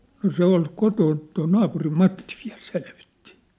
no se oli kotona tuo naapurin Matti vielä selvitti